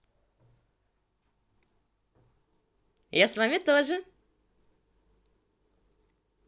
я с вами тоже